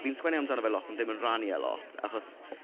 Fi'n sgwennu amdano fe lot ond ddim yn rhannu e lot achos...